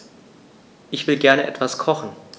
Ich will gerne etwas kochen.